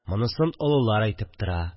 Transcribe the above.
Монысын олылар әйтеп тора